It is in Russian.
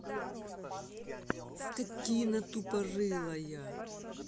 скотина тупорылая